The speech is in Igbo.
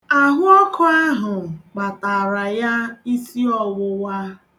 Ahụọkụ ahụ kpataara ya isi ọwụwa.